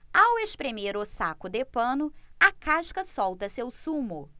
ao espremer o saco de pano a casca solta seu sumo